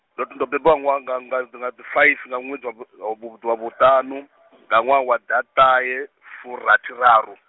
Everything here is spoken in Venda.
ndo to ndo bebiwa nga nwa, nga dzi faifi nga ṅwedzi wa vhu, wa vhu, ṱanu, nga ṅwaha wa ḓaṱahe furathi raru.